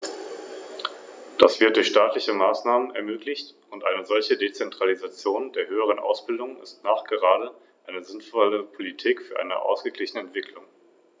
Zu den Worten von Herrn Swoboda über die Tätigkeit des CEN möchte ich sagen, dass wir sie drängen, ihre Arbeit maximal zu beschleunigen, denn es wäre dramatisch, wenn wir trotz der neuen Frist nach etwas mehr als einem Jahr vor den gleichen Schwierigkeiten stehen würden, weil die Arbeiten nicht zum Abschluss gebracht wurden.